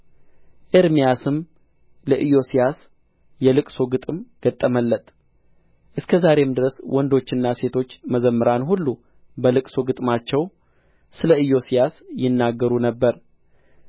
ኤርምያስም ለኢዮስያስ የልቅሶ ግጥም ገጠመለት እስከ ዛሬም ድረስ ወንዶችና ሴቶች መዘምራን ሁሉ በልቅሶ ግጥማቸው ስለ ኢዮስያስ ይናገሩ ነበር